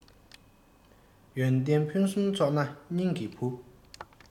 ཡོན ཏན ཕུན སུམ ཚོགས ན སྙིང གི བུ